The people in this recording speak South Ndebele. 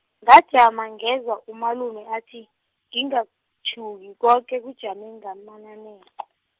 ngajama ngezwa umalume athi, ngingathuki koke kujame ngamananeko.